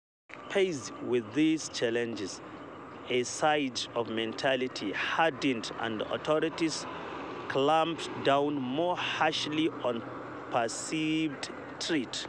Faced with these challenges, a siege mentality hardened, and authorities clamped down more harshly on perceived threats.